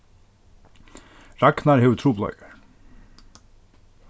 ragnar hevur trupulleikar